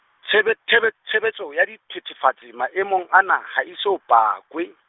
tshebe-, tshebe-, tshebetso ya dithethefatsi maemong ana ha eso pakwe.